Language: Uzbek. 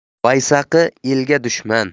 vaysaqi elga dushman